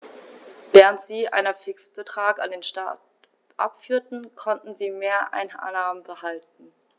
Während sie einen Fixbetrag an den Staat abführten, konnten sie Mehreinnahmen behalten.